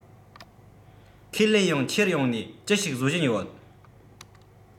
ཁས ལེན ཡང འཁྱེར ཡོང ནས ཅི ཞིག བཟོ བཞིན ཡོད